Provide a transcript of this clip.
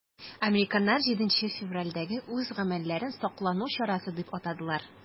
Американнар 7 февральдәге үз гамәлләрен саклану чарасы дип атадылар.